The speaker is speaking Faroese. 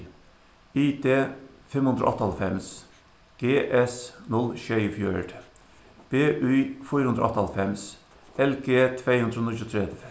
i d fimm hundrað og áttaoghálvfems g s null sjeyogfjøruti b y fýra hundrað og áttaoghálvfems l g tvey hundrað og níggjuogtretivu